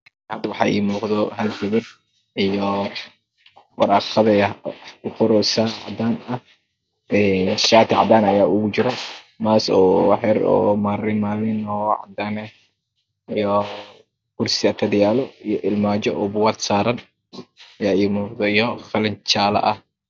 Hada waxa iimuuqda halgabar iyo waraqad aywaxkaqoreyso cadanah Een shaticadan ayaugajiro Mas wax yarmarinmarin o cadan iyokursi agtedyalo iyo armajibugagsaran ayaa iimuqdo iyo qalinjaalo ah